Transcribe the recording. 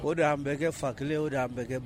O de y an bɛɛ kɛ fa kelen o de di an bɛ kɛ